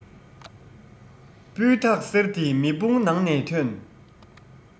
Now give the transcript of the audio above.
སྤུས དག གསེར དེ མེ དཔུང ནང ནས ཐོན